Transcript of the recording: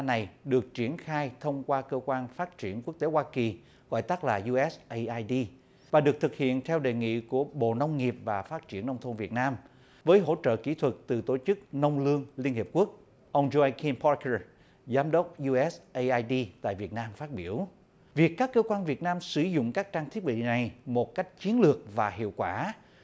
này được triển khai thông qua cơ quan phát triển quốc tế hoa kỳ gọi tắt là diu ét ây ai đi và được thực hiện theo đề nghị của bộ nông nghiệp và phát triển nông thôn việt nam với hỗ trợ kỹ thuật từ tổ chức nông lương liên hiệp quốc ông gioi kêm pát tơ giám đốc diu ét ây ai đi tại việt nam phát biểu việc các cơ quan việt nam sử dụng các trang thiết bị này một cách chiến lược và hiệu quả